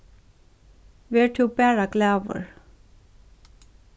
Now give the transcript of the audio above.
ver tú bara glaður